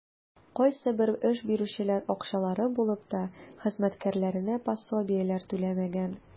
Кайсыбер эш бирүчеләр, акчалары булып та, хезмәткәрләренә пособиеләр түләмәгән.